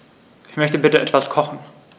Ich möchte bitte etwas kochen.